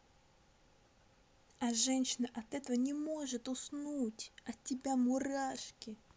а женщина от этого не может уснуть от тебя мурашки